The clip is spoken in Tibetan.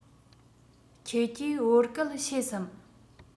ཁྱེད ཀྱིས བོད སྐད ཤེས སམ